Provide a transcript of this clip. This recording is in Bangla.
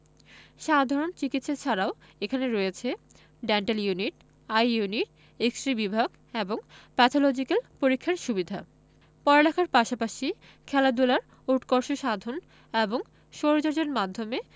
সাধারণ চিকিৎসা ছাড়াও এখানে রয়েছে dental unit eye unit X ray বিভাগ এবং প্যাথলজিক্যাল পরীক্ষার সুবিধা পড়ালেখার পাশাপাশি খেলাধুলার উৎকর্ষ সাধন এবং শরীরচর্চার মাধ্যমে